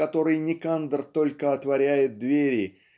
в который Никандр только отворяет двери